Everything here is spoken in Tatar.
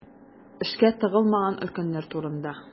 Эшкә тыгылмаган өлкәннәр турында.